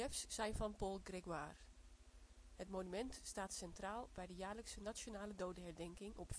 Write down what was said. zijn van Paul Grégoire. Het monument staat centraal bij de jaarlijkse Nationale Dodenherdenking op